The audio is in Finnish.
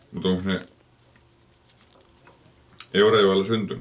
mutta onkos ne Eurajoella syntynyt